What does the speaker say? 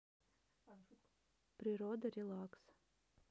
природа релакс